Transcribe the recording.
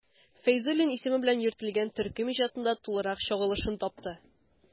Фәйзуллин исеме белән йөртелгән төркем иҗатында тулырак чагылышын тапты.